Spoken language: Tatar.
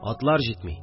Атлар җитми